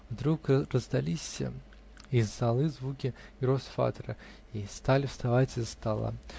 Вдруг раздались из залы звуки гросфатера, и стали вставать из-за стола.